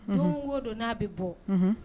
Mun wo don n'a bɛ bɔ